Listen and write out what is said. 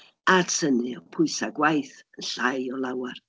A tynnu y pwysau gwaith yn llai o lawer.